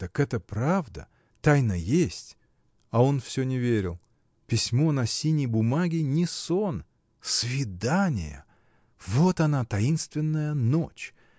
так это правда: — тайна есть (а он всё не верил) — письмо на синей бумаге — не сон! Свидания! Вот она, таинственная ночь!